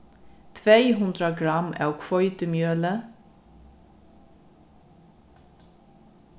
tvey hundrað gramm av hveitimjøli